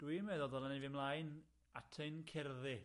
...dwi'n meddwl ddylen ni fynd mlaen at ein cerddi.